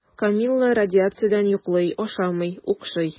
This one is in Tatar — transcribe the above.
Камилла радиациядән йоклый, ашамый, укшый.